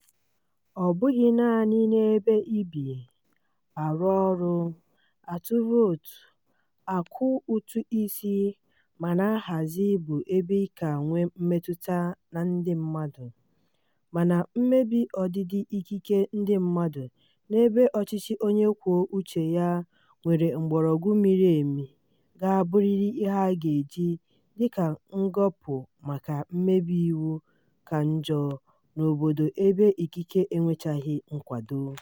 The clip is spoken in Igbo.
Ọ bụghị naanị na ebe i bi, arụ ọrụ, atụ vootu, akwụ ụtụ isi ma na-ahazi bụ ebe ị ka nwee mmetụta na ndị mmadụ, mana mmebi ọdịdị ikike ndị mmadụ n'ebe ọchịchị onye kwuo uche ya nwere mgbọrọgwụ miri emi ga-abụrịrị ihe a ga-eji dịka ngọpụ maka mmebi iwu ka njọ n'obodo ebe ikike enwechaghị nkwado.